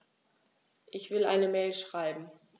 Ich will eine Mail schreiben.